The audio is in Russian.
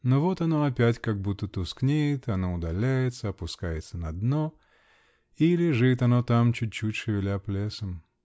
Но вот оно опять как будто тускнеет, оно удаляется, опускается на дно -- и лежит оно там, чуть-чуть шевеля плесом.